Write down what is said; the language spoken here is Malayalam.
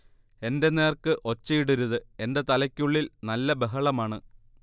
എന്റെ നേർക്ക്ഒച്ചയിടരുത് എന്റെ തലയ്ക്കുള്ളിൽ നല്ല ബഹളമാണ്